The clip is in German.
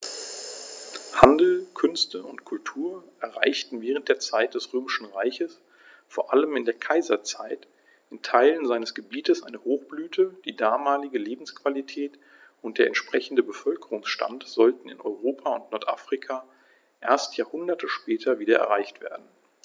Handel, Künste und Kultur erreichten während der Zeit des Römischen Reiches, vor allem in der Kaiserzeit, in Teilen seines Gebietes eine Hochblüte, die damalige Lebensqualität und der entsprechende Bevölkerungsstand sollten in Europa und Nordafrika erst Jahrhunderte später wieder erreicht werden.